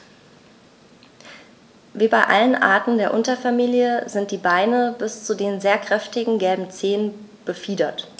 Wie bei allen Arten der Unterfamilie sind die Beine bis zu den sehr kräftigen gelben Zehen befiedert.